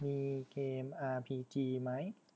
มีเกมอาพีจีไหม